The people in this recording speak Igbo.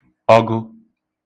ọgụ̄